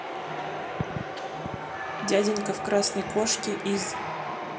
дяденька в красной кошки из